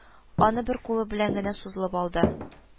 Аны бер кулы белән генә сузылып алды